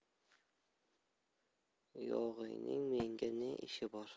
yog'iyning menga ne ishi bor